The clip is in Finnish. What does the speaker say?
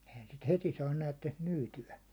eihän sitä heti saa näettekös myytyä